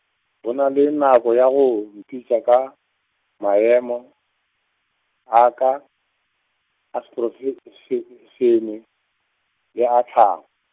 go na le nako ya go mpitša ka, maemo, a ka, a seporofe- -šene, le a tlhago.